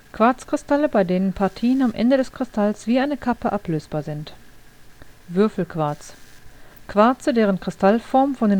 Quarzkristalle, bei denen Partien am Ende des Kristalls wie eine Kappe ablösbar sind Würfelquarz: Quarze, deren Kristallform von